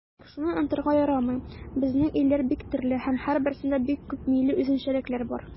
Тик шуны да онытырга ярамый, безнең илләр бик төрле һәм һәрберсендә бик күп милли үзенчәлекләр бар.